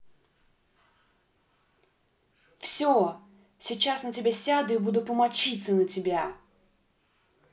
все сейчас на тебя сяду и буду помочиться на тебя